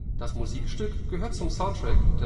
Das Musikstück gehört zum Soundtrack